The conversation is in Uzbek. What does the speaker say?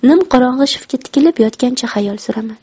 nimqorong'i shiftga tikilib yotgancha xayol suraman